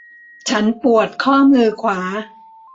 ฉันปวดข้อมือขวา